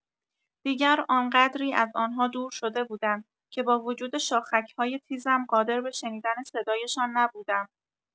دیگر آنقدری از آنها دور شده بودم که با وجود شاخک‌های تیزم قادر به شنیدن صدایشان نبودم.